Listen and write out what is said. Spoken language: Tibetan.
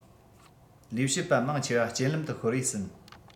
ལས བྱེད པ མང ཆེ བ རྐྱེན ལམ དུ ཤོར བའི ཟིན